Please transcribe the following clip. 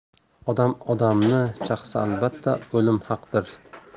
odam odamni chaqsa albatta o'lim haqdir